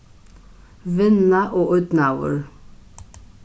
vinna og ídnaður